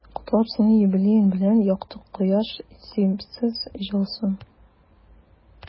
Котлап сине юбилеең белән, якты кояш сипсен җылысын.